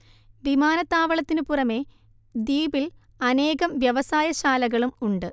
വിമാനത്താവളത്തിനു പുറമേ ദ്വീപിൽ അനേകം വ്യവസായ ശാലകളും ഉണ്ട്